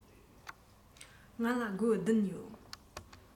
ང ལ སྒོར བདུན ཡོད